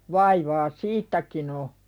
vaivaa siitäkin on